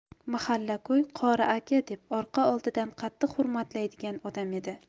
mahalla ko'y qori aka deb orqa oldidan qattiq hurmatlaydigan odam edi